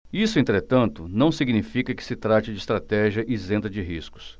isso entretanto não significa que se trate de estratégia isenta de riscos